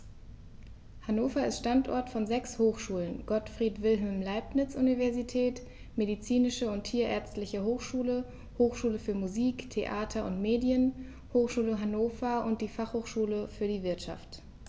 Hannover ist Standort von sechs Hochschulen: Gottfried Wilhelm Leibniz Universität, Medizinische und Tierärztliche Hochschule, Hochschule für Musik, Theater und Medien, Hochschule Hannover und die Fachhochschule für die Wirtschaft.